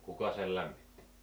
kuka sen lämmitti